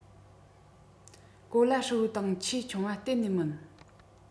གོ ལ ཧྲིལ པོའི སྟེང ཆེས ཆུང བ གཏན ནས མིན